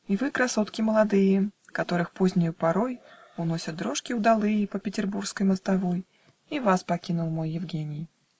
И вы, красотки молодые, Которых позднею порой Уносят дрожки удалые По петербургской мостовой, И вас покинул мой Евгений.